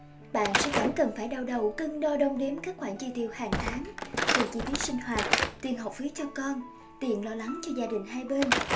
bạn sẽ chẳng cần phải đau đầu cân đo đong đếm các khoản chi tiêu hàng tháng tiền chi phí sinh hoạt tiền học phí cho con tiền lo lắng cho gia đình hai bên